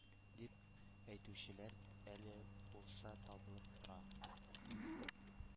Дип әйтүчеләр әле булса табылып тора.